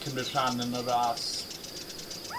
cymryd rhan yn y ras.